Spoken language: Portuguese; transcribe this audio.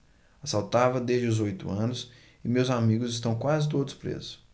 assaltava desde os oito anos e meus amigos estão quase todos presos